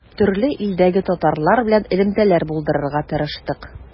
Төрле илдәге татарлар белән элемтәләр булдырырга тырыштык.